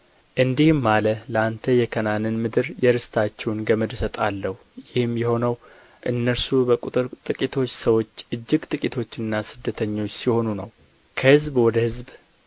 እንዲህም አለ ለአንተ የከነዓንን ምድር የርስታችሁን ገመድ እሰጣለሁ ይህም የሆነው እነርሱ በቍጥር ጥቂቶች ሰዎች እጅግ ጥቂቶችና ስደተኞች ሲሆኑ ነው ከሕዝብ ወደ ሕዝብ